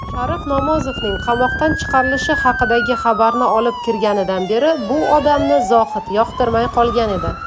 sharif namozovning qamoqdan chiqarilishi haqidagi xabarni olib kirganidan beri bu odamni zohid yoqtirmay qolgan edi